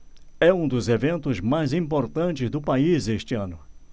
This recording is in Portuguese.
é um dos eventos mais importantes do país este ano